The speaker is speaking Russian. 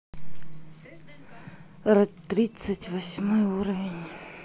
ред тридцать восьмой уровень